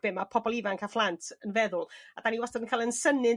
be ma' pobol ifanc a phlant yn feddwl a 'da ni wastad yn ca'l ein synnu